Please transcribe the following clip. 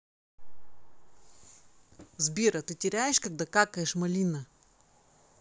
сбер а ты теряешь когда какаешь малина